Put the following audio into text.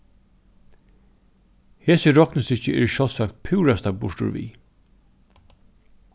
hesi roknistykki eru sjálvsagt púrasta burturvið